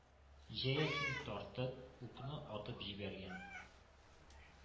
Җәясен тартып укны атып җибәргән.